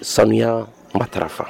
Samiya nba taararafa